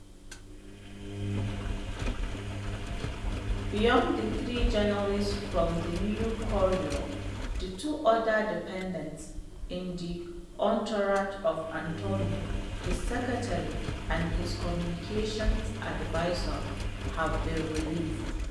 Beyond the three journalists from The New Courier, the two other defendants in the entourage of attorney (his secretary and his communications advisor) have been released.